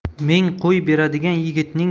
ming qo'y beradigan yigitning